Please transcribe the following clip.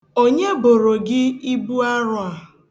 Onye boro gị ibu arọ a?